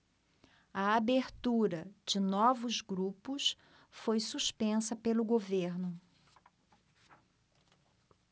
a abertura de novos grupos foi suspensa pelo governo